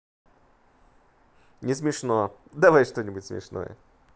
не смешно давай что нибудь смешное